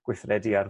gweithredu ar